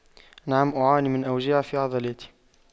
نعم أعاني من أوجاع في عضلاتي